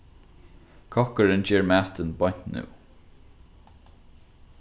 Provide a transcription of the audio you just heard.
kokkurin ger matin beint nú